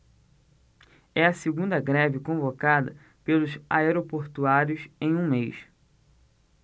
é a segunda greve convocada pelos aeroportuários em um mês